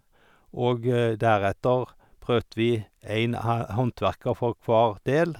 Og deretter prøvde vi en a håndverker for hver del.